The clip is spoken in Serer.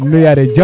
nu yaare jam